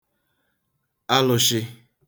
alụshị